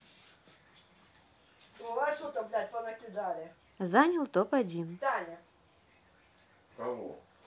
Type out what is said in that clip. занял топ один